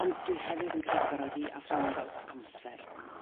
Ond dwi hefyd yn credu bo' raid i athrawon ga'l amser